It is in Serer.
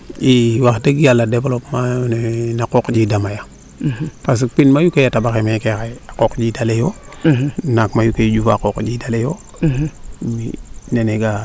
i wax deg yala developpement ne na qooq njiind a maya parce que pin mayu kee tabaxa meeke xaye a qooq njindale yoo naak mayu le i njufa a qooq njinda leyo nene o ga; aa